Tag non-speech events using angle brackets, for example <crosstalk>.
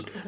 <hesitation> <hesitation>